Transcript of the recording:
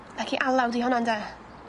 Naci Alaw 'di hwnna ynde?